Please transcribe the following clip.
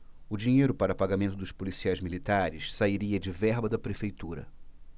o dinheiro para pagamento dos policiais militares sairia de verba da prefeitura